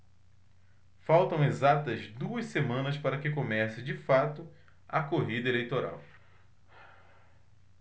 faltam exatas duas semanas para que comece de fato a corrida eleitoral